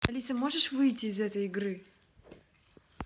алиса можешь выйти из этой игры